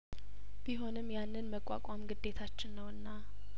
ቢሆንም ያንን መቋቋም ግዴታችን ነውና